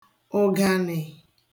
ụ̀gànị̀